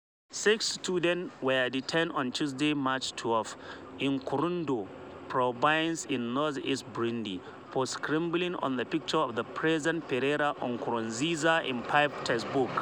Six students were detained on Tuesday, March 12, in Kirundo province in northeast Burundi for scribbling on pictures of President Pierre Nkurunziza in five textbooks.